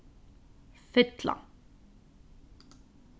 fylla